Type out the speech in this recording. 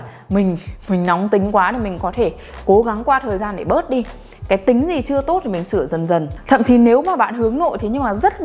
mình mình nóng tính quá nên mình có thể cố gắng qua thời gian để bớt đi cái tính gì chưa tốt thì mình sửa dần dần thậm chí nếu mà bạn hướng nội thế nhưng mà rất